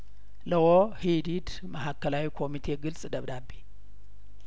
ለኦሂዲድ ማእከላዊ ኮሚቴ ግልጽ ደብዳቤ